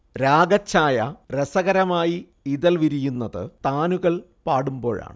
രാഗച്ഛായ രസകരമായി ഇതൾ വിരിയുന്നത് താനുകൾ പാടുമ്പോഴാണ്